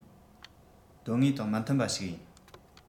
དོན དངོས དང མི མཐུན པ ཞིག ཡིན